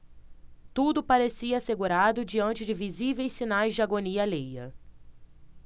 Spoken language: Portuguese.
tudo parecia assegurado diante de visíveis sinais de agonia alheia